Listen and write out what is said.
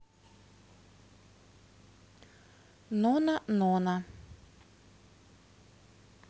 ноно ноно